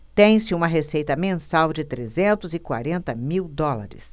tem-se uma receita mensal de trezentos e quarenta mil dólares